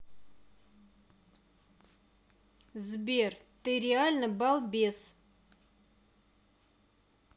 сбер ты реально балбес